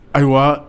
Ayiwa